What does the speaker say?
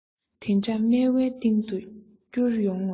དེ འདྲ དམྱལ བའི གཏིང དུ བསྐྱུར ཡོང ངོ